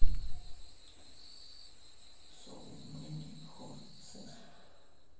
соу мэни хорсес